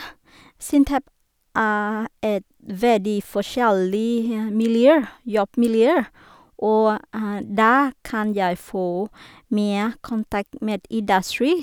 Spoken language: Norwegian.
Sintef er et veldig forskjellig miljø jobbmiljø, og der kan jeg få mer kontakt med industri.